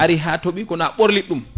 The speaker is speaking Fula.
ari ha tooɓi kono a ɓorlit ɗum